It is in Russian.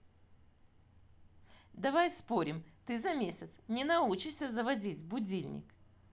давай спорим ты за месяц не научишься заводить будильник